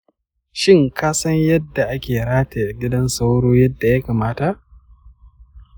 shin ka san yadda ake rataya gidan sauro yadda ya kamata?